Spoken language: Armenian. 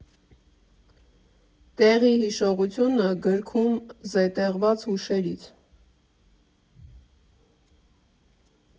Տեղի հիշողությունը» գրքում զետեղված հուշերից։